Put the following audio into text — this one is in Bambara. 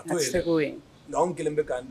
Donc anw kelen bɛ ka